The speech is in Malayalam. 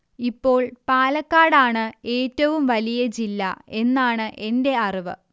ഇപ്പോൾ പാലക്കാട് ആണ് ഏറ്റവും വലിയ ജില്ല എന്നാണ് എന്റെ അറിവ്